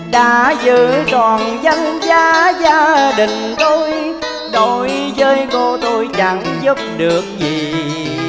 đã giữa trọn danh giá gia đình tôi đối dới cô tôi chẳng giúp được gì